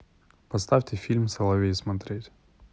поставьте фильм соловей смотреть